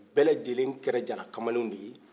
u bɛ lajɛlen kɛra jara kamalenw de ye